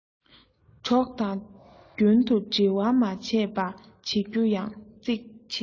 གྲོགས དང རྒྱུན དུ འབྲེལ བ མ ཆད པ བྱེད རྒྱུ ཡང གཙིགས ཆེ